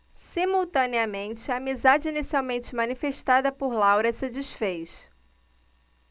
simultaneamente a amizade inicialmente manifestada por laura se disfez